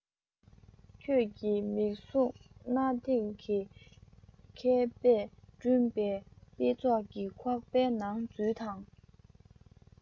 ཁྱོད ཀྱི མིག ཟུང གནའ དེང གི མཁས པས བསྐྲུན པའི དཔེ ཚོགས ཀྱི ཁོག པའི ནང འཛུལ དང